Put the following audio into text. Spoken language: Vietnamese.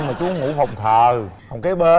mà chú ngủ phòng thờ phòng kế bên